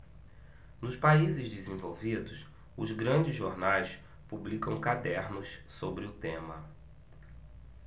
nos países desenvolvidos os grandes jornais publicam cadernos sobre o tema